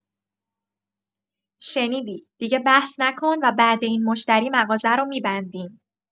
شنیدی، دیگه بحث نکن و بعد این مشتری مغازه رو می‌بندیم.